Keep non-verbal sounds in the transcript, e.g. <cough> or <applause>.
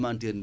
<hesitation> <hesitation>